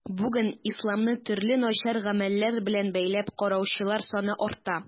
Бүген исламны төрле начар гамәлләр белән бәйләп караучылар саны арта.